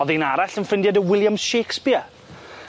O'dd un arall yn ffrindie dy Williams Shakespeare.